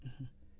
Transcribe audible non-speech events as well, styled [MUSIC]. [HESITATION] [HESITATION]